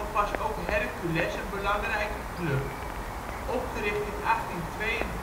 was ook Hercules een belangrijke club, opgericht in 1882